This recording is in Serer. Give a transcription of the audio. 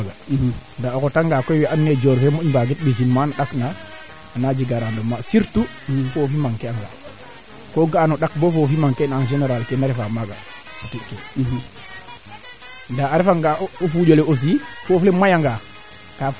wala o ndato ndeɓ a gara xaañ kam fee keene fop anaa refaa no wawaa mbekel no affaire choix de la parcelle xayna nee waroona jilit ne waroona figoor bo a ndata leene xaƴna wiina njeg comprehension bo bung ke ndokaa yo teen est ce que refee jafe jafe ndeer xoxoox fo wee ando naye dena ñaaƴa aussi